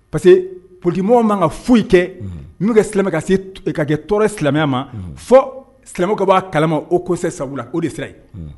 Parce que poli quemɔgɔ man ka foyi kɛ n'u ka ka kɛ tɔɔrɔ silamɛya ma fɔ silamɛ b'a kalama o ko kosɛbɛ sabu o de sera